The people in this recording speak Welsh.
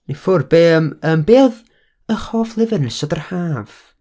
ni ffwrdd, be yym, yym, be oedd eich hoff lyfr yn ystod yr haf?